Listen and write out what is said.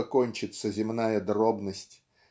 что кончится земная дробность